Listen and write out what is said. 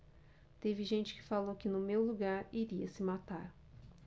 teve gente que falou que no meu lugar iria se matar